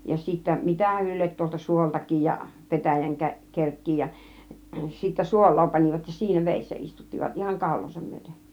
ja sitten mitähän ne lie tuolta suoltakin ja petäjän - kerkkiä ja sitten suolaa panivat ja siinä vedessä istuttivat ihan kaulaansa myöten